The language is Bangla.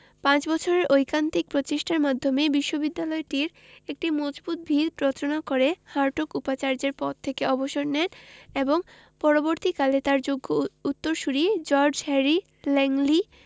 পাঁচ বছরের ঐকান্তিক প্রচেষ্টার মাধ্যমে বিশ্ববিদ্যালয়টির একটি মজবুত ভিত রচনা করে হার্টগ উপাচার্যের পদ থেকে অবসর নেন এবং পরবর্তীকালে তাঁর যোগ্য উত্তরসূরি জর্জ হ্যারি ল্যাংলি